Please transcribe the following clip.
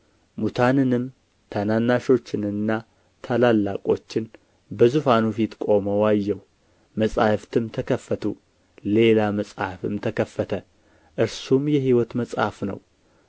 ሙታንንም ታናናሾችንና ታላላቆችን በዙፋኑ ፊት ቆመው አየሁ መጻሕፍትም ተከፈቱ ሌላ መጽሐፍም ተከፈተ እርሱም የሕይወት መጽሐፍ ነው